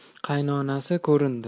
qaynonasi ko'rindi